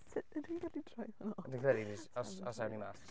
Sut ydw i'n gallu troi hwnna off? Dwi'n credu ni jyst... os os awn ni mas.